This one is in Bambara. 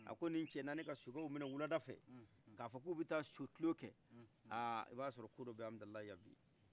a ko ni cɛ nani ka sokɛw minai wuladafɛ ka fɔ k'u bi ta so kulokɛ aa iba sɔrɔ ko dɔbe amidalayi bi